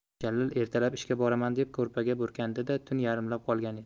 jalil ertalab ishga boraman deb ko'rpaga burkanganida tun yarimlab qolgan edi